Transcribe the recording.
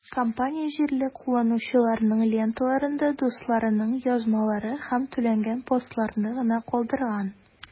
Компания җирле кулланучыларның ленталарында дусларының язмаларын һәм түләнгән постларны гына калдырган.